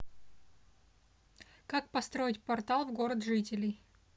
как построить портал в город жителей